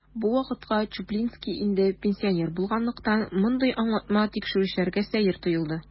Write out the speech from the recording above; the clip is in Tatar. Бу вакытка Чуплинский инде пенсионер булганлыктан, мондый аңлатма тикшерүчеләргә сәер тоелды.